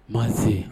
Ma se